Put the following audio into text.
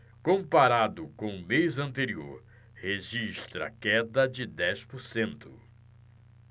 comparado com o mês anterior registra queda de dez por cento